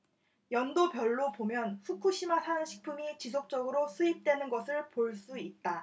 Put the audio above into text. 연도별로 보면 후쿠시마산 식품이 지속적으로 수입되는 것을 볼 수 있다